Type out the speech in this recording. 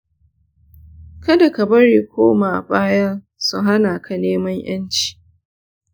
kada ka bari koma-baya su hana ka neman ‘yanci.